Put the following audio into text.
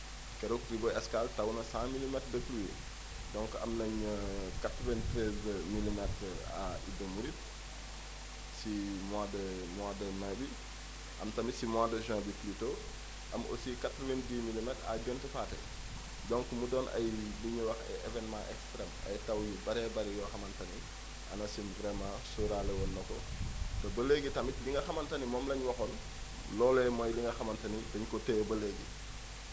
keroon Rivo Escale taw na 100 milimètres de pluie donc am nañ 93 milimètres à Idda Mouride si mois de mois de mai bi am tamit si mois de juin bi plutôt am aussi 90 milimètres à Gént Pathé donc mu doon ay lu ñuy wax ay événements extrèmes ay taw yu bëree bëri yoo xamante ni ANACIM vraiment sóoraale woon na ko te ba léegi tamit li nga xamante ni moom la ñu waxoon loolee mooy li nga xamante ni dañu ko téye ba léezgi